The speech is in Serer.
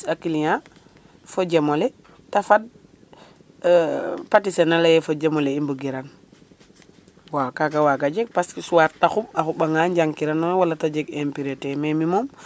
i mbis a client fojemole te fad e% patisen a leye fojemole i mbugiran waw kaga waga jeg parce que soit te xuɓ a xuɓa nga njang kirano wala te jeg impureté mais mi moom